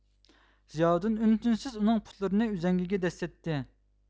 زىياۋۇدۇن ئۈن تىنسىز ئۇنىڭ پۇتلىرىنى ئۈزەڭگىگە دەسسەتتى